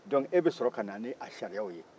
dɔnku e bɛ sɔrɔ ka na ni a sayiraw ye